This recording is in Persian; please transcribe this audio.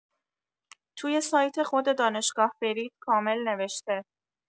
توی سایت خود دانشگاه برید کامل نوشته